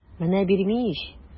Менә бирми ич!